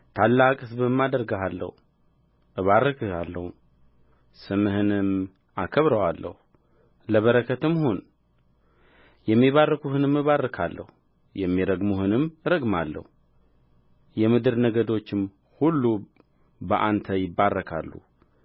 ታላቅ ሕዝብም አደርግሃለሁ እባርክሃለሁ ስምህንም አከብረዋለሁ ለበረከትም ሁን የሚባርኩህንም እባርካለሁ የሚረግሙህንም እረግማለሁ የምድር ነገዶችም ሁሉ በአንተ ይባረካሉ